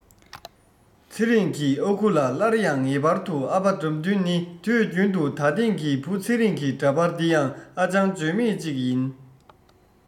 ཚེ རིང གི ཨ ཁུ ལ སླར ཡང ངེས པར དུ ཨ ཕ དགྲ འདུལ ནི དུས རྒྱུན དུ ད ཐེངས ཀྱི བུ ཚེ རིང གི འདྲ པར འདི ཡང ཨ ཅང བརྗོད མེད ཞིག ཡིན